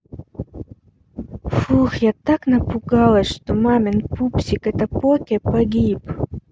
фух я так напугалась что мамин пупсик это поке погиб